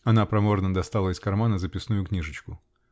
-- Она проворно достала из кармана записную книжечку.